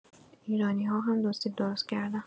ایرانی‌‌ها هم دوسیب درست‌کردن.